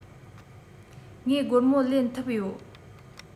ངས སྒོར མོ ལེན ཐུབ ཡོད